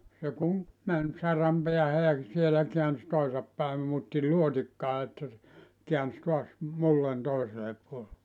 se kun meni saran päähän ja siellä käänsi toisin päin muutti luotikkaa että se käänsi taas mullan toiselle puolelle